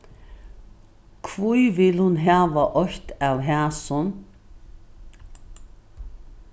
hví vil hon hava eitt av hasum